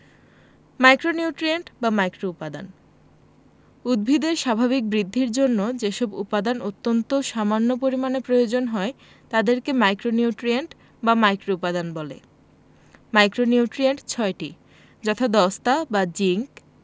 micronutrient বা মাইক্রোউপাদান উদ্ভিদের স্বাভাবিক বৃদ্ধির জন্য যেসব উপাদান অত্যন্ত সামান্য পরিমাণে প্রয়োজন হয় তাদেরকে মাইক্রোনিউট্রিয়েন্ট বা মাইক্রোউপাদান বলে মাইক্রোনিউট্রিয়েন্ট ৬টি যথা দস্তা বা জিংক